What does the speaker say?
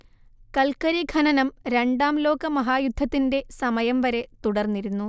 കൽക്കരി ഖനനം രണ്ടാം ലോകമഹായുദ്ധത്തിന്റെ സമയം വരെ തുടർന്നിരുന്നു